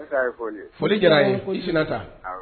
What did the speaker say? Foli diyara ye foyi ta